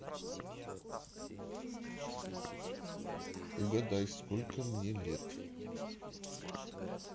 угадай сколько мне лет